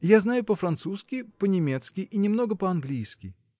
– Я знаю по-французски, по-немецки и немного по-английски.